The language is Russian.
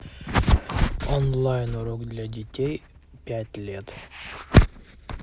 онлайн урок для детей пяти лет